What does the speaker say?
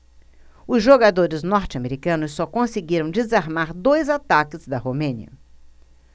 os jogadores norte-americanos só conseguiram desarmar dois ataques da romênia